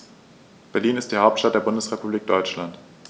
Berlin ist die Hauptstadt der Bundesrepublik Deutschland.